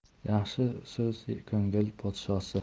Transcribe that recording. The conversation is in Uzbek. yaxshi so'z ko'ngil podshosi